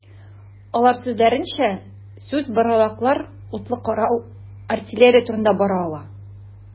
Аның сүзләренчә, сүз боралаклар, утлы корал, артиллерия турында бара ала.